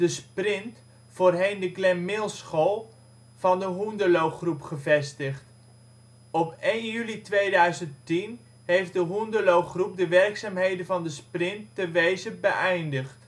Sprint (voorheen de Glen Mills School) van de Hoenderloo Groep gevestigd. Op 1 juli 2010 heeft de Hoenderloo Groep de werkzaamheden van De Sprint te Wezep beëindigd